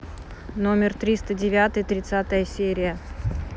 номер триста девятый тридцатая серия